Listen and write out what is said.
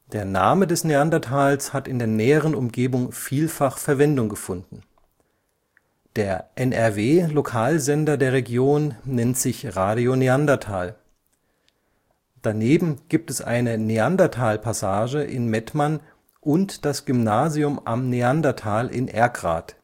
Der Name des Neandertals hat in der näheren Umgebung vielfach Verwendung gefunden. Der NRW-Lokalsender der Region nennt sich Radio Neandertal. Daneben gibt es eine Neandertalpassage in Mettmann und das Gymnasium Am Neandertal in Erkrath